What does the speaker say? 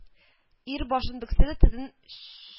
Ир, башын бөксә дә, тезен чү